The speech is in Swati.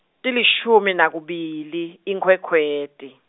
tilishumi nakubili, iNkhwekhweti.